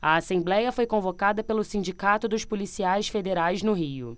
a assembléia foi convocada pelo sindicato dos policiais federais no rio